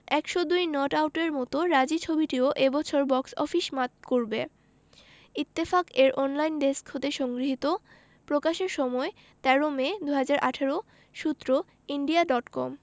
১০২ not আউটের মতো রাজী ছবিটিও এ বছর বক্স অফিস মাত করবে ইত্তেফাক এর অনলাইন ডেস্ক হতে সংগৃহীত প্রকাশের সময় ১৩ মে ২০১৮ সূত্র ইন্ডিয়া ডট কম